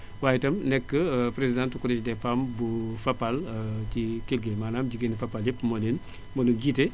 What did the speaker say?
waaye itam nekk présidente kuréel des femmes bu Fapal ci Kelle Gueye maanaam jigéenu Fapal yépp moo leen moo leen jiite